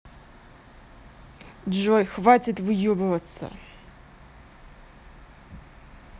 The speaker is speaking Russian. джой хватит выебываться